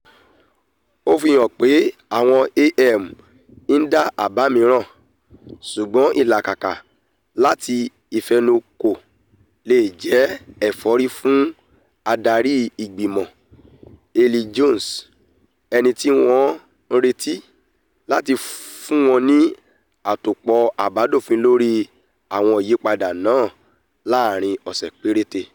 Ó fi hàn pe àwọn AM ńdá àbá̀ miran, ṣugbọn ìlàkàkà láti ìfẹnukò leè jẹ́ ẹ̀fọ́rí fún ádari ìgbìmọ́, Elin Jones, ẹnití wọn ńretí láti fún wọn ní àtòpọ̀ àbádòfin lórí à̀wọn ìyípadà náà láarin ọ̀sẹ̀ pérétè.